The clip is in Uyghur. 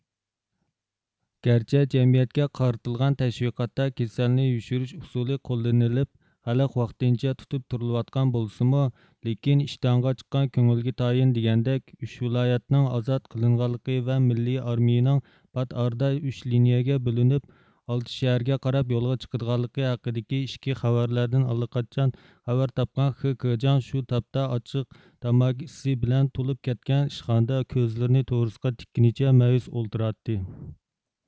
گەرچە جەمئىيەتكە قارىتىلغان تەشۋىقاتتا كېسەلنى يوشۇرۇش ئۇسۇلى قوللىنىلىپ خەلق ۋاقتىنچە تۇتۇپ تۇرۇلۇۋاتقان بولسىمۇ لېكىن ئىشتانغا چىققان كۆڭۈلگە تايىن دېگەندەك ئۈچ ۋىلايەتنىڭ ئازاد قىلىنغانلىقى ۋە مىللىي ئارمىيىنىڭ پات ئارىدا ئۈچ لىنىيىگە بۆلۈنۈپ ئالتە شەھەرگە قاراپ يولغا چىقىدىغانلىقى ھەققىدىكى ئىچكى خەۋەرلەردىن ئاللىقاچان خەۋەر تاپقان خېكېجاڭ شۇ تاپتا ئاچچىق تاماكا ئىسى بىلەن تولۇپ كەتكەن ئىشخانىدا كۆزلىرىنى تۇرۇسقا تىككىنىچە مەيۈس ئولتۇراتتى